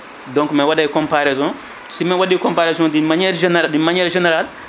donc mi waɗay comparaison somi waɗi comparaison ji d' une maniére génér du maniére général